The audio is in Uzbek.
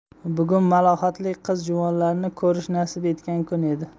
bugun malohatli qiz juvonlarni ko'rish nasib etgan kun edi